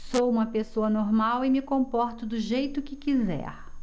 sou homossexual e me comporto do jeito que quiser